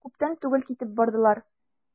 Күптән түгел китеп бардылар.